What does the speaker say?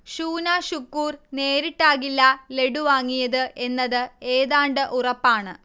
ഷൂനാ ഷുക്കൂർ നേരിട്ടാകില്ല ലഡ്ഡു വാങ്ങിയത് എന്നത് ഏതാണ്ട് ഉറപ്പാണ്